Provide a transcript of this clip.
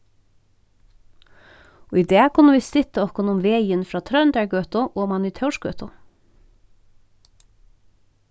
í dag kunnu vit stytta okkum um vegin frá tróndargøtu oman í tórsgøtu